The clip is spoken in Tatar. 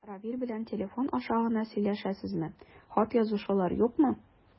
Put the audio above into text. Равил белән телефон аша гына сөйләшәсезме, хат язышулар юкмы?